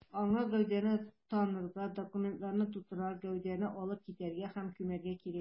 Аңа гәүдәне танырга, документларны турырга, гәүдәне алып китәргә һәм күмәргә кирәк.